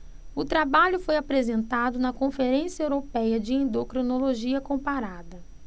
o trabalho foi apresentado na conferência européia de endocrinologia comparada